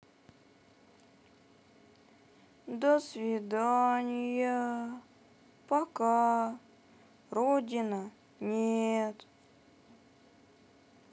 досвидания пока родина нет